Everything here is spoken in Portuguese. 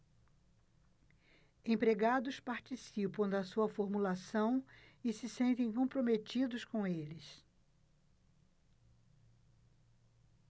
empregados participam da sua formulação e se sentem comprometidos com eles